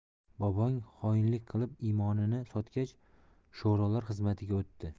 bobong xoinlik qilib imonini sotgach sho'rolar xizmatiga o'tdi